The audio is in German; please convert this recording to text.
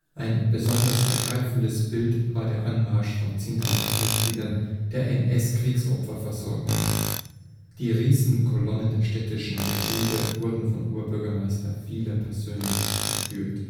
Ein besonders ergreifendes Bild war der Anmarsch von zehntausend Mitgliedern der NS-Kriegsopferversorgung. Die Riesenkolonnen der städtischen Betriebe wurden von Oberbürgermeister Fiehler persönlich geführt